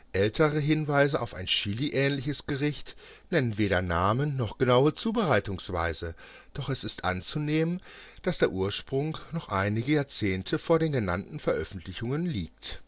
ältere Hinweise auf ein Chili-ähnliches Gericht nennen weder Namen noch genaue Zubereitungsweise, doch es ist anzunehmen, dass der Ursprung noch einige Jahrzehnte vor den genannten Veröffentlichungen liegt